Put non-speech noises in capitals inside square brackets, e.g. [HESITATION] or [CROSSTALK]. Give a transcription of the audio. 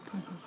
[HESITATION] [HESITATION]